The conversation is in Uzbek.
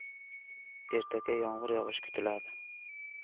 ertaga yomg'ir yog'ishi kutiladi